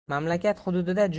mamlakat hududida juda katta